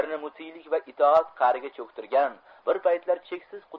ularni mutelik va itoat qa'riga cho'ktirgan